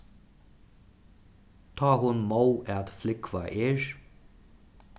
tá hon móð at flúgva er